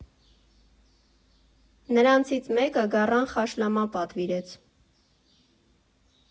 Նրանցից մեկը գառան խաշլամա պատվիրեց։